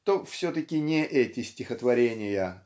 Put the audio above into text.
то все-таки не эти стихотворения